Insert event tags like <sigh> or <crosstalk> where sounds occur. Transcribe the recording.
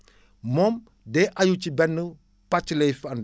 <breath> moom day aju ci benn pàcc lay fa àndu